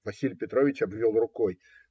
- Василий Петрович обвел рукой.